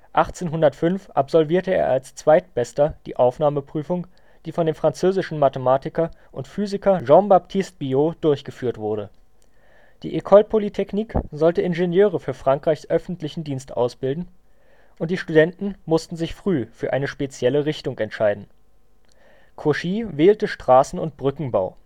1805 absolvierte er als Zweitbester die Aufnahmeprüfung, die von dem französischen Mathematiker und Physiker Jean-Baptiste Biot durchgeführt wurde. Die École Polytechnique sollte Ingenieure für Frankreichs öffentlichen Dienst ausbilden, und die Studenten mussten sich früh für eine spezielle Richtung entscheiden. Cauchy wählte Straßen - und Brückenbau